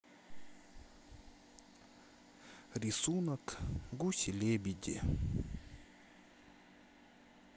рисунок гуси лебеди